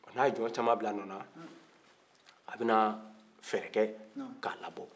ɔ ni a ye jɔn caman bila a nɔ na a bɛ na fɛɛrɛ kɛ k'a labɔ